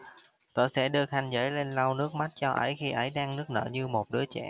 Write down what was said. tớ sẽ đưa khăn giấy lên lau nước mắt cho ấy khi ấy đang nức nở như một đứa trẻ